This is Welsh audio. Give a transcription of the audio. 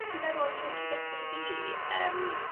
Dwi feddwl yn yn cyd destun fi yym